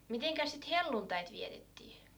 mitenkäs sitten helluntait vietettiin